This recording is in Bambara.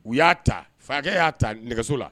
U y'a ta fakɛ y'a ta nɛgɛso la